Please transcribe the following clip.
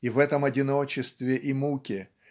И в этом одиночестве и муке